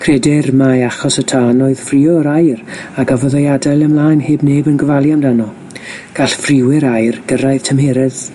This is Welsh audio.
Credir mai achos y tân oedd ffriwr aer a gafodd ei adael ymlaen heb neb yn gofalu amdano. Gall friwyr aer gyrraedd tymheredd